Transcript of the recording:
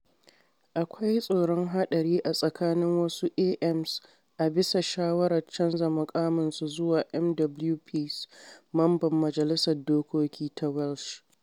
Akwai tsoron haɗari a tsakanin wasu AMs a bisa shawarar canza muƙaminsu zuwa MWPs (Mamban Majalisar Dokoki ta Welsh).